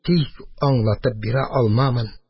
Тик аңлатып бирә алмамын!..